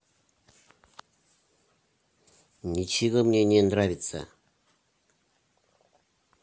ничего мне не нравится